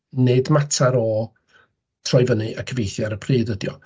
Nid mater o troi fyny a cyfieithu ar y pryd ydy o.